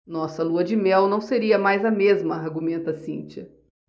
nossa lua-de-mel não seria mais a mesma argumenta cíntia